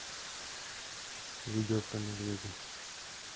видео про медведей